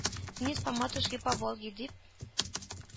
-“вниз по матушке по волге...“,- дип